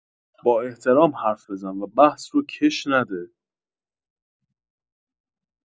با احترام حرف بزن و بحث روکش نده